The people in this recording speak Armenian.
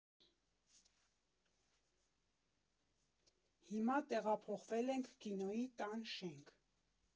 Հիմա տեղափոխվել ենք կինոյի տան շենք։